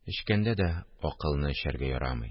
Эчкәндә дә акылны эчәргә ярамый